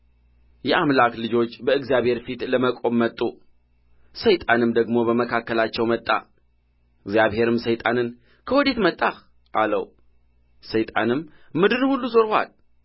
የአምላክ ልጆች በእግዚአብሔር ፊት ለመቆም መጡ ሰይጣንም ደግሞ በመካከላቸው መጣ እግዚአብሔርም ሰይጣንን ከወዴት መጣህ አለው ሰይጣንም ምድርን ሁሉ ዞርሁአት